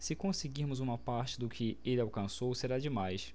se conseguirmos uma parte do que ele alcançou será demais